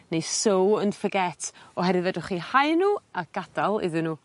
Neu sow and forget oherwydd fedrwch chi hau n'w a gadal iddyn n'w.